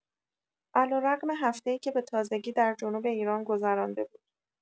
علی‌رغم هفته‌ای که به‌تازگی در جنوب ایران گذرانده بود.